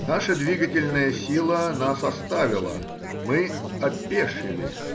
Наша двигательная сила нас оставила: мы опешили